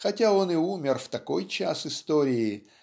хотя он и умер в такой час истории